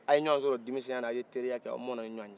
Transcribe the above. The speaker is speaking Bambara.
aw ye ɲɔgɔn sɔrɔ denmisɛnninya aw ye terikɛ a mɔna ɲɔɔn ye